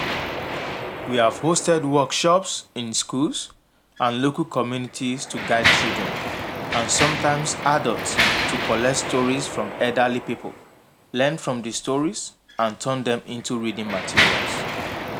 We have hosted workshops in schools and local communities to guide children, and sometimes adults, to collect stories from elderly people, learn from the stories, and turn them into reading materials.